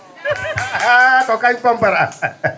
ko kañum pompata